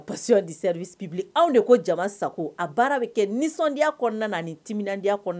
Parce anw de ko jamana sago a baara bɛ kɛ nisɔndiyaya kɔnɔna ni tidenya kɔnɔ